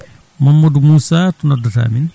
Mamadou Moussa to noddata min